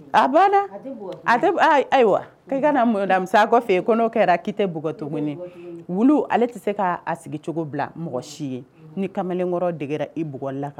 A banna; A tɛ bugɔ tugu;A tɛ a a ayiwa, k'i ka na madame Sakɔ fɛ yen, ko n'o kɛra k'i tɛ bugɔ tuguni. wulu ale tɛ se k'a a sigi cogo bila mɔgɔ si ye, ni kamalenkɔrɔ degera i bugɔlila